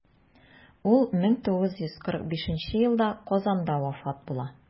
Ул 1945 елда Казанда вафат була.